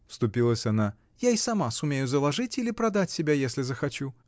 — вступилась она, — я и сама сумею заложить или продать себя, если захочу!